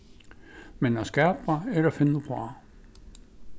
men at skapa er at finna uppá